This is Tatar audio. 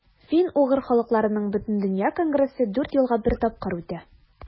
Фин-угыр халыкларының Бөтендөнья конгрессы дүрт елга бер тапкыр үтә.